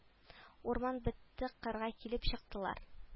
Урман бетте кырга килеп чыктылар